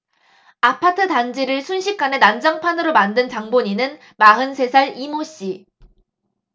아파트 단지를 순식간에 난장판으로 만든 장본인은 마흔 세 살 이 모 씨